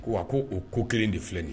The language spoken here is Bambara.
Ko a ko o ko kelen de filɛ nin ye